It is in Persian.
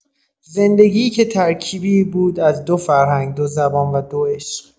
زندگی‌ای که ترکیبی بود از دو فرهنگ، دو زبان، و دو عشق